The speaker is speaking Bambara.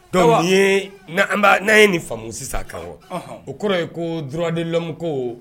Dɔnkuc n'an ye nin faamumu sisan kan o kɔrɔ ye ko ddilamu ko